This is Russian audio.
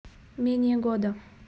менее года